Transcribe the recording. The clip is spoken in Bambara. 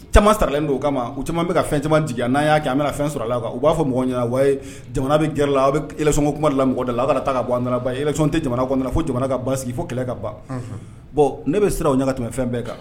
Ca saralen don o kama u caman bɛ ka fɛn caman di n'a'a an bɛna fɛn sɔrɔla kan u b'a fɔ mɔgɔ ɲɛna wa ye jamana bɛ g la a bɛkuma la mɔgɔda la a taa ka bɔ an ba tɛ jamana kɔnɔna na fo jamana ka ba sigi fo kɛlɛ ka ban bɔn ne bɛ siran aw ɲɛ ka tɛmɛ fɛn bɛɛ kan